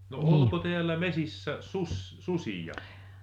no oliko täällä metsissä - susia